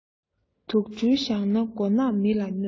དུག སྦྲུལ བཞག ན མགོ ནག མི ལ གནོད